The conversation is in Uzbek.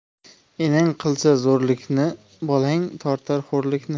enang qilsa zo'rlikni bolang tortar xo'rlikni